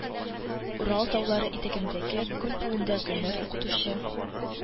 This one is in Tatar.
Урал таулары итәгендәге күл буенда Гөлнур укытучы